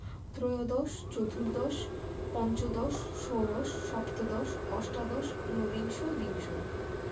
ত্ৰয়োদশ চতুর্দশ পঞ্চদশ ষোড়শ সপ্তদশ অষ্টাদশ উনবিংশ বিংশ